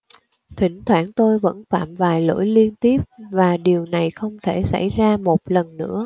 thỉnh thoảng tôi vẫn phạm vài lỗi liên tiếp và điều này không thể xảy ra một lần nữa